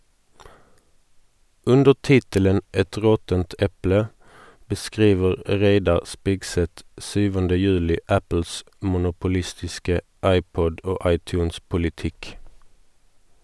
Under tittelen «Et råttent eple» beskriver Reidar Spigseth 7. juli Apples monopolistiske iPod- og iTunes-politikk.